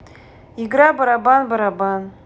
игра барабан барабан